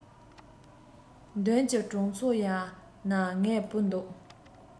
མདུན གྱི གྲོང ཚོ ཡ ན ངའི བུ འདུག